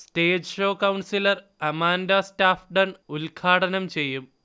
stage show councillor Amanda സ്റ്റാഫ്ഡൺ ഉൽഘാടനം ചെയ്യും